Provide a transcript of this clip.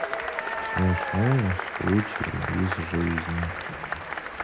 смешные случаи из жизни